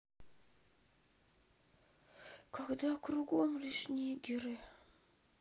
когда кругом лишь нигеры